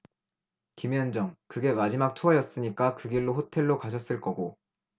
김현정 그게 마지막 투어였으니까 그 길로 호텔로 가셨을 거고